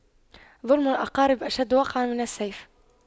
ظلم الأقارب أشد وقعا من السيف